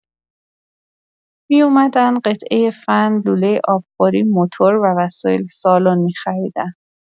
می‌اومدن قطعه فن، لوله آبخوری، موتور و وسایل سالن می‌خریدن.